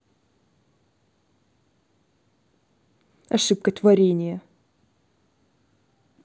ошибка творения